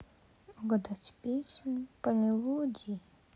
угадать песню по мелодии